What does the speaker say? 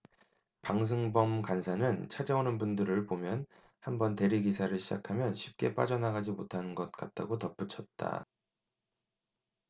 방승범 간사는 찾아오는 분들을 보면 한 번 대리기사를 시작하면 쉽게 빠져나가지 못하는 것 같다고 덧붙였다